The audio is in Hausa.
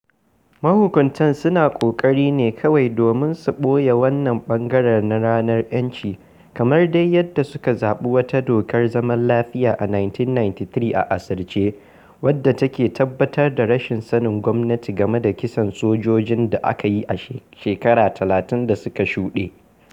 Mahukuntan suna ƙoƙari ne kawai domin su ɓoye wannan ɓangaren na ranar 'yanci, kamar dai yadda suka zaɓi wata dokar zaman lafiya a 1993 a asirce, wadda take tabbatar da rashin sanin gwamnati game da kisan sojojin da aka yi shekaru 30 da suka shuɗe.